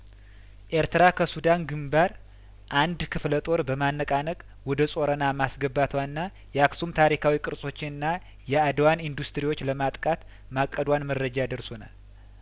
ኤርትራ ከሱዳን ግንባር አንድ ክፍለ ጦር በማነቃነቅ ወደ ጾረና ማስገባቷና የአክሱም ታሪካዊ ቅርሶችንና የአድዋን ኢንዱስትሪዎች ለማጥቃት ማቀዷን መረጃ ደርሶናል